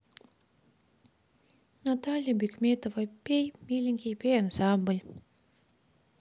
наталья бикметова пей миленький пей ансамбль